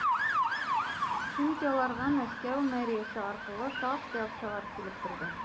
Чөнки аларга Мәскәү мэриясе аркылы шактый акчалар килеп торды.